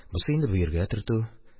Бусы инде бөергә төртү.